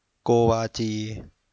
โกวาจี